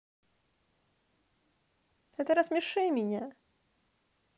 это рассмеши меня